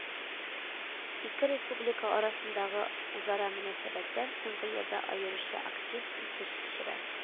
Ике республика арасындагы үзара мөнәсәбәтләр соңгы елда аеруча актив үсеш кичерә